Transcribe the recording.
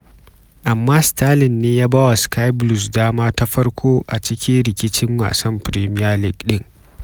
Amma Sterling ne ya ba wa Sky Blues dama ta farko a cikin rikicin wasan Premier League din.